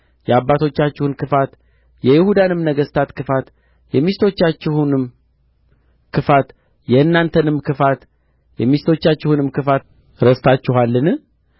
የአባቶቻችሁን ክፋት የይሁዳንም ነገሥታት ክፋት የሚስቶቻቸውንም ክፋት የእናንተንም ክፋት የሚስቶቻችሁንም ክፋት ረስታችሁታልን